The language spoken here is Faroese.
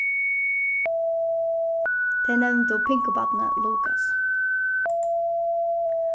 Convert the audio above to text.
tey nevndu pinkubarnið lukas